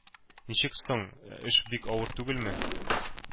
-ничек соң, эш бик авыр түгелме?